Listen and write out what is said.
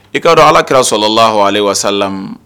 I k kaa dɔn ala kɛra sɔrɔla lah hɔn ale wasalamu